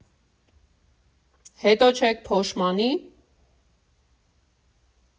֊Հետո չե՞ք փոշմանի։